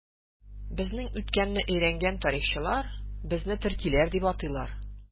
Безнең үткәнне өйрәнгән тарихчылар безне төркиләр дип атыйлар.